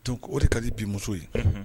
O de ka di bi muso ye.